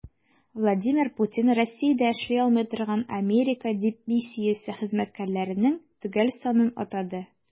Владимир Путин Россиядә эшли алмый торган Америка дипмиссиясе хезмәткәрләренең төгәл санын атады.